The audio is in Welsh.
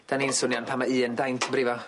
'Dan ni'n swnio'n pan ma' un daint yn brifo.